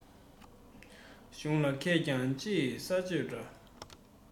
གཞུང ལ མཁས ཀྱང ཕྱི ཡི ས གཅོད འདྲ